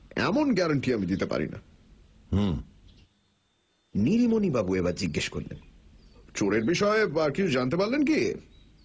এমন গ্যারান্টি আমি দিতে পারি না হু নীলমণিবাবু এবার জিজ্ঞেস করলেন চোরের বিষয় আর কিছু জানতে পারলেন কি